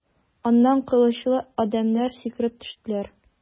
Аннан кылычлы адәмнәр сикереп төштеләр.